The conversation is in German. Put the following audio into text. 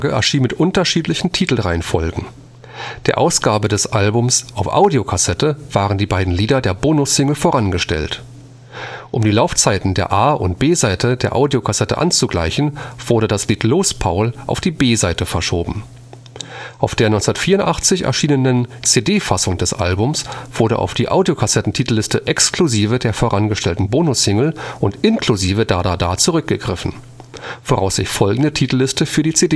erschien mit unterschiedlichen Titelreihenfolgen: Der Ausgabe des Albums auf Audiokassette waren die beiden Lieder der Bonus-Single vorangestellt. Um die Laufzeiten der A - und B-Seite der Audiokassette anzugleichen wurde das Lied Los Paul auf die B-Seite verschoben. Auf der 1984 erschienenen CD-Fassung des Albums wurde auf die Audiokassetten-Titelliste exklusive der vorangestellten Bonus-Single und inklusive Da Da Da zurückgegriffen, woraus sich folgende Titelliste für die CD-Ausgabe